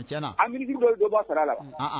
Tiɲɛ na! An ministres dɔ ye dɔ bɔ a sara la? An an!